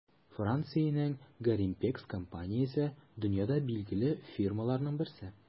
Франциянең Gorimpex компаниясе - дөньяда билгеле фирмаларның берсе.